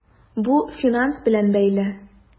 Бу финанс белән бәйле.